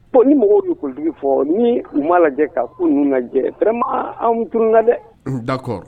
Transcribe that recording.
Bon ni mɔgɔw bɛ kulu fɔ ni u m maa lajɛ ka f lajɛma anurun na dɛ da